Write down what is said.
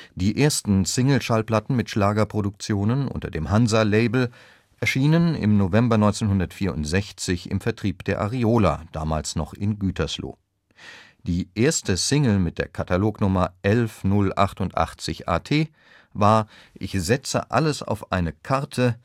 Die ersten Singleschallplatten mit Schlagerproduktionen unter dem Hansa-Label erschienen im November 1964 im Vertrieb der Ariola (damals noch in Gütersloh). Die erste Single mit der Katalognummer 11 088 AT war „ Ich setze alles auf eine Karte